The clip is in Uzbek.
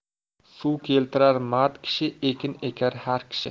suv keltirar mard kishi ekin ekar har kishi